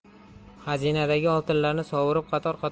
xazinadagi oltinlarni sovurib qator qator